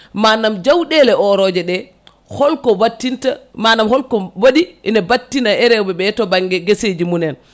manam jawɗele orojojeɗe holko wattinta manam holko waɗi ene battina e rewɓe ɓe to banggue guese munen